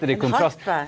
ei harpe?